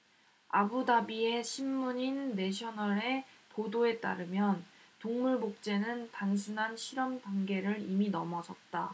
아부다비의 신문인 내셔널 의 보도에 따르면 동물 복제는 단순한 실험 단계를 이미 넘어섰다